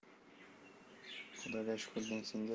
xudoga shukur deng singil